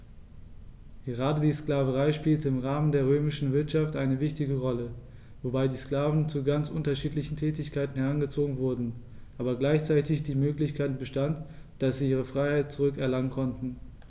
Gerade die Sklaverei spielte im Rahmen der römischen Wirtschaft eine wichtige Rolle, wobei die Sklaven zu ganz unterschiedlichen Tätigkeiten herangezogen wurden, aber gleichzeitig die Möglichkeit bestand, dass sie ihre Freiheit zurück erlangen konnten.